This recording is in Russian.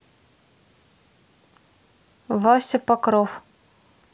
вася покров